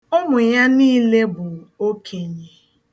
Ụmụ ya niile bụ okenye.